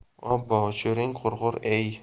obbo sho'ring qurg'ur ey